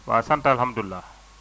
waaw sant alhamdulilah